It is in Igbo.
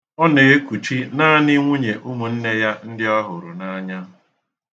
Ọ na-ekuchi naanị nwunye ụmụnne ya ndị ọ hụrụ n'anya.